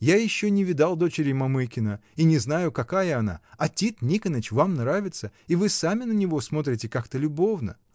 Я еще не видал дочери Мамыкина и не знаю, какая она, а Тит Никоныч вам нравится, и вы сами на него смотрите как-то любовно.